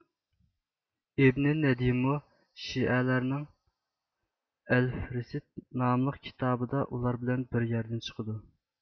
ئىبنى نەدىيم مۇ شىئەلەرنىڭ ئەلفىھرىست ناملىق كىتابىدا ئۇلار بىلەن بىر يەردىن چىقىدۇ